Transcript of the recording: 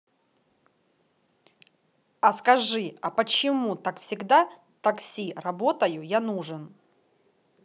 а скажи а почему так всегда такси работаю я нужен